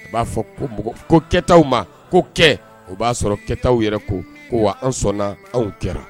U b'a fɔ ko mɔgɔ ko kɛtaw ma ko kɛ o b'a sɔrɔ kɛtaw yɛrɛ ko ko wa an sɔnna anw kɛra